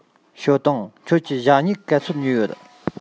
ཞའོ ཏུང ཁྱོད ཀྱིས ཞྭ སྨྱུག ག ཚོད ཉོས ཡོད